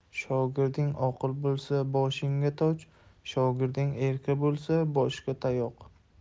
shogirding oqil bo'lsa boshingda toj shogirding erka bo'lsa boshga tayoq